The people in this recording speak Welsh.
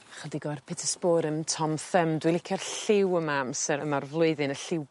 a chydig o'r pittosporum Tom Thumb dwi licio'r lliw yma amser yma'r flwyddyn y lliw